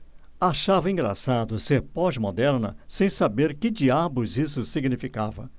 achava engraçado ser pós-moderna sem saber que diabos isso significava